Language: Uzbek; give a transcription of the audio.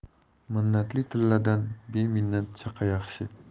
minnatli tilladan beminnat chaqa yaxshi